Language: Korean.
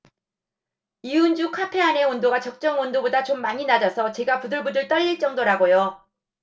이은주 카페 안에 온도가 적정 온도보다 좀 많이 낮아서 제가 부들부들 떨릴 정도더라고요